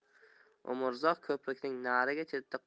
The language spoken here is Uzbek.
umrzoq ko'prikning narigi chetida